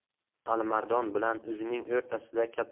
alimardon bilan o'zining o'rtasida